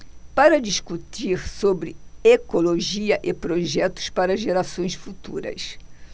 para discutir sobre ecologia e projetos para gerações futuras